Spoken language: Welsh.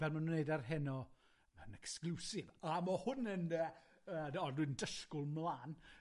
Fel ma' nw'n neud ar heno, ma'n exclusive, a ma' hwn yn yy yy d- a dwi'n dysgwyl mlan,